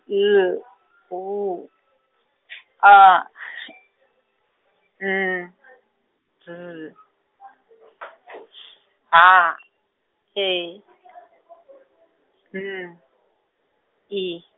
L W A N V H E N I.